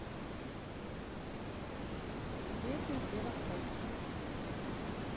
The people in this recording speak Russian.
песня севастоп